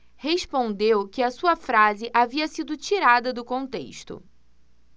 respondeu que a sua frase havia sido tirada do contexto